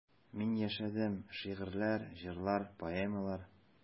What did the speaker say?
Мин яшәдем: шигырьләр, җырлар, поэмалар.